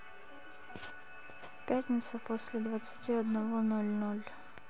пятница после двадцати одного ноль ноль